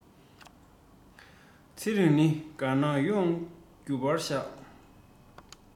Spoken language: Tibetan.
ཚེ རིང ནི དགའ སྣང ཡོང རྒྱུ ཕར བཞག